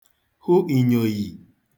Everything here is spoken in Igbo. hụ ìnyòyì